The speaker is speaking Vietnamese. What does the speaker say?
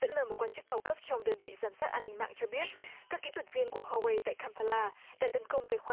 dẫn lời một quan chức cao cấp trong đơn vị giám sát an ninh mạng cho biết các kỹ thuật viên của hoa guây tại cam pa la đã tấn công tài khoản